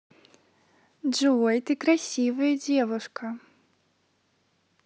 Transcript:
джой ты красивая девушка